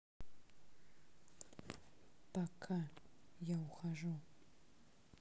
пока я ухожу